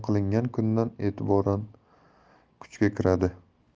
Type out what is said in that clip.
qilingan kundan e'tiboran kuchga kiradi